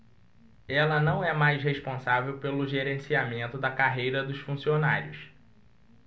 ela não é mais responsável pelo gerenciamento da carreira dos funcionários